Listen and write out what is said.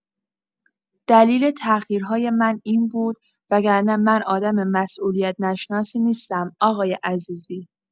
دلیل تاخیرهای من این بود، وگرنه من آدم مسئولیت‌نشناسی نیستم، آقای عزیزی.